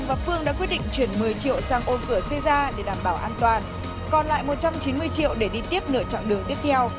và phương đã quyết định chuyển mười triệu sang ôn cửa sê ra để đảm bảo an toàn còn lại một trăm chín mươi triệu để đi tiếp nửa chặng đường tiếp theo